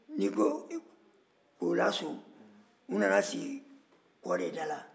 n'i ko kolaso u nana sigi kɔ de da la